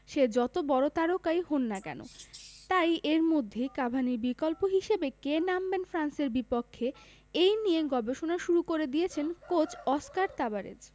সে যত বড় তারকাই হোন না কেন তাই এর মধ্যেই কাভানির বিকল্প হিসেবে কে নামবেন ফ্রান্সের বিপক্ষে এই নিয়ে গবেষণা শুরু করে দিয়েছেন কোচ অস্কার তাবারেজ